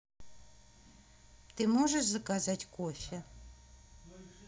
ты можешь заказать кофе